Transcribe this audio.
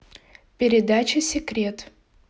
передача секрет